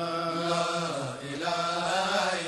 San le